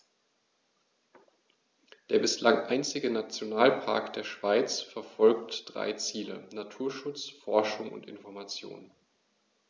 Der bislang einzige Nationalpark der Schweiz verfolgt drei Ziele: Naturschutz, Forschung und Information.